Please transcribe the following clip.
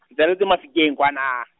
ke tswaletswe Mafikeng kwana.